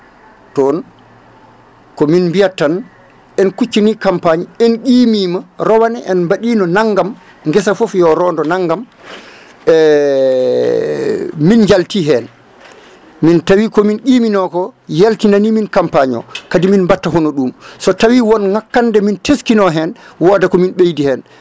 toon komin mbiyat tan en kuccani campagne en qimima rowane en mbaɗino nanggam guesa foof yo rondo nanggam min jalti hen tawi komin qiminoko yaltinani min campagne o kadi min mbatta hono ɗum so tawi won ngakkande nde min teskino hen woda komin ɓeydi hen